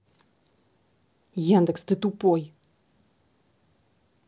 яндекс ты тупой